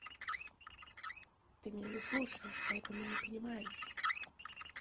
ты меня не слушаешь поэтому не понимаешь